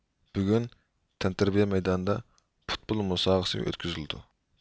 بۈگۈن تەنتەربىيە مەيدانىدا پۇتبۇل مۇسابىقىسى ئۆتكۈزۈلىدۇ